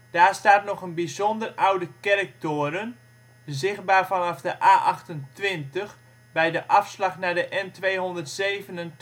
Daar staat nog een bijzonder oude kerktoren (zichtbaar vanaf de A28 bij de afslag naar de N227